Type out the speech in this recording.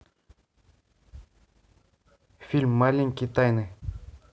фильм маленькие тайны